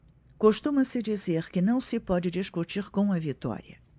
costuma-se dizer que não se pode discutir com a vitória